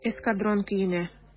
"эскадрон" көенә.